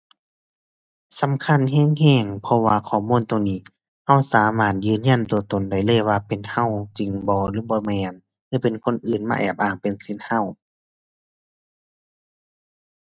สำคัญแรงแรงเพราะว่าข้อมูลตรงนี้ แรงสามารถยืนยันแรงตนได้เลยว่าเป็นแรงจริงบ่หรือบ่แม่น หรือเป็นคนอื่นมาแอบอ้างเป็นสิทธิ์แรง